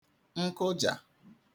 nkụjà